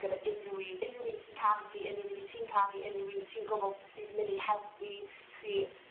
gyda unryw un unryw un sy'n caru ti unryw un 'yt ti'n caru unrywun ti'n gwbo sy' myn' i helpu chi.